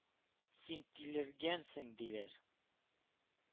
Син тилергәнсең, диләр.